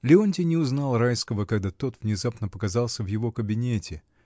Леонтий не узнал Райского, когда тот внезапно показался в его кабинете.